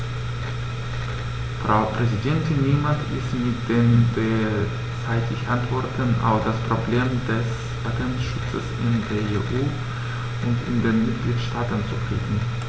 Frau Präsidentin, niemand ist mit den derzeitigen Antworten auf das Problem des Patentschutzes in der EU und in den Mitgliedstaaten zufrieden.